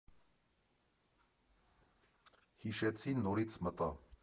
Հիշեցի, նորից մտա։